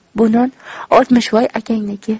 bu non oltmishvoy akangniki